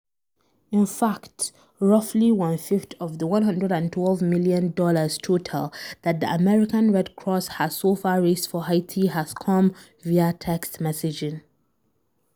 In fact, roughly one-fifth of the $112 million total that the American Red Cross has so far raised for Haiti has come via text messaging.